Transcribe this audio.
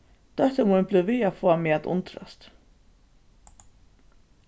dóttir mín blívur við at fáa meg at undrast